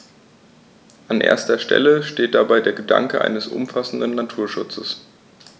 An erster Stelle steht dabei der Gedanke eines umfassenden Naturschutzes.